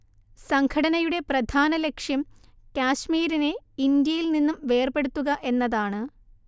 സംഘടനയുടെ പ്രധാനലക്ഷ്യം കാശ്മീരിനെ ഇന്ത്യയിൽ നിന്നും വേർപെടുത്തുക എന്നതാണ്